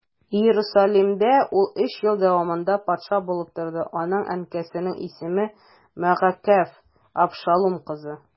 Иерусалимдә ул өч ел дәвамында патша булып торды, аның әнкәсенең исеме Мәгакәһ, Абшалум кызы.